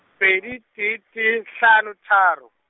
pedi, tee tee hlano tharo.